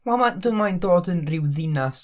Wel mae'n... dwi'n meddwl mae'n dod yn ryw ddinas.